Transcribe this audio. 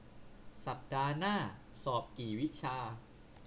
สัปดาห์หน้าสอบกี่วิชา